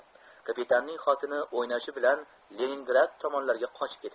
kapitanning xotini o'ynashi bilan leningrad tomonlarga qochibdi